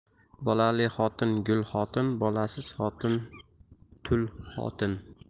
bolali xotin gul xotin bolasiz xotin tul xotin